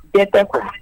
Den tɛ ko